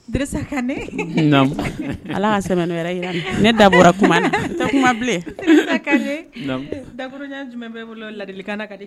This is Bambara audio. Ala sɛ ne da da da jumɛn bolo ladi kanadi